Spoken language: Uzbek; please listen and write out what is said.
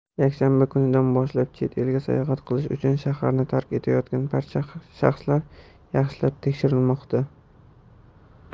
yakshanba kunidan boshlab chet elga sayohat qilish uchun shaharni tark etayotgan barcha shaxslar yaxshilab tekshirilmoqda